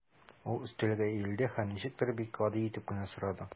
Ул өстәлгә иелде һәм ничектер бик гади итеп кенә сорады.